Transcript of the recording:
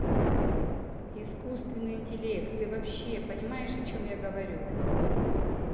искусственный интеллект ты вообще понимаешь о чем я говорю